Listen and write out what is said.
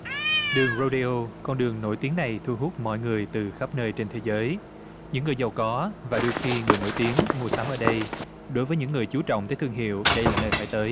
đường rô đê ô con đường nổi tiếng này thu hút mọi người từ khắp nơi trên thế giới những người giàu có và đôi khi người nổi tiếng mua sắm ở đây đối với những người chú trọng tới thương hiệu đây là nơi phải tới